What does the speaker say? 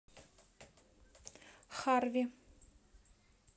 харви